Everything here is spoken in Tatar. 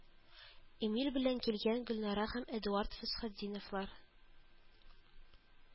Эмиль белән килгән Гөлнара һәм Эдуард Фәсхетдиновлар